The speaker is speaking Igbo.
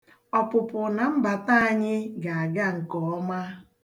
Ọpụpụ na mbata anyị ga-aga nkeọma.